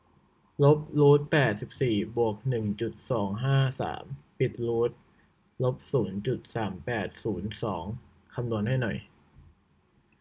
ลบรูทแปดสิบสี่บวกหนึ่งจุดสองห้าสามปิดรูทลบศูนย์จุดสามแปดศูนย์สองคำนวณให้หน่อย